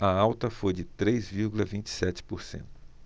a alta foi de três vírgula vinte e sete por cento